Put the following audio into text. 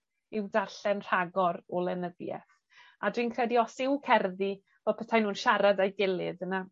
yw darllen rhagor o lenyddieth. A dwi'n credu os yw cerddi fel petai nw'n siarad â'i gilydd yna